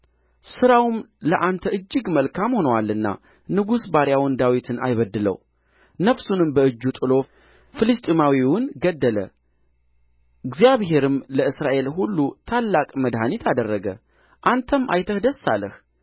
ሥራውም ለአንተ እጅግ መልካም ሆኖአልና ንጉሡ ባሪያውን ዳዊትን አይበድለው ነፍሱንም በእጁ ጥሎ ፍልስጥኤማዊውን ገደለ እግዚአብሔርም ለእስራኤል ሁሉ ታላቅ መድኃኒት አደረገ አንተም አይተህ ደስ አለህ